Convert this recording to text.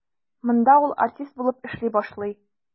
Монда ул артист булып эшли башлый.